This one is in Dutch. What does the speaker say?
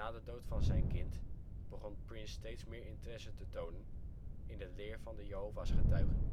de dood van zijn kind begon Prince steeds meer interesse te tonen in de leer van de Jehova 's getuigen